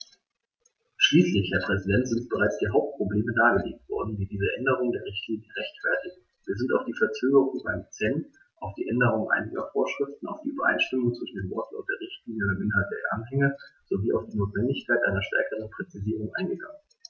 Schließlich, Herr Präsident, sind bereits die Hauptprobleme dargelegt worden, die diese Änderung der Richtlinie rechtfertigen, wir sind auf die Verzögerung beim CEN, auf die Änderung einiger Vorschriften, auf die Übereinstimmung zwischen dem Wortlaut der Richtlinie und dem Inhalt der Anhänge sowie auf die Notwendigkeit einer stärkeren Präzisierung eingegangen.